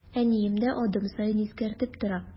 Әнием дә адым саен искәртеп тора.